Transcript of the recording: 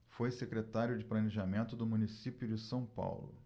foi secretário de planejamento do município de são paulo